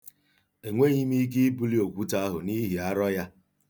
Enweghị m ike ibuli okwute ahụ n'ihi arọ ya.